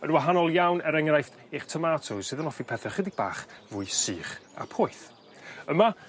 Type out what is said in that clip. Yn wahanol iawn er enghraifft i'ch tomato sydd yn offi pethe chydig bach fwy sych a poeth yma